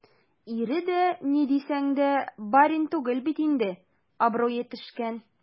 Ире дә, ни дисәң дә, барин түгел бит инде - абруе төшкән.